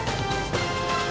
quý